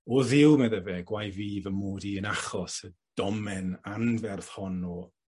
O dduw medde fe gwae fi fy mod i yn achos y domen anferth hon o